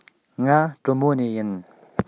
ང གྲོ མོ ནས ཡིན